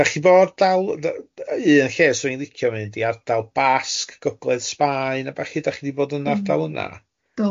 Dach chi bo' dal yy yy un lle swn i'n licio mynd i, ardal Basg, Gogledd Sbaen a ballu, dach chi di bod yn ardal yna? Do